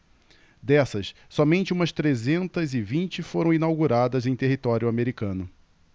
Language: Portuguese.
dessas somente umas trezentas e vinte foram inauguradas em território americano